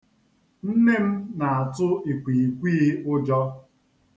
Nne m na-atụ ikwiikwii ụjọ.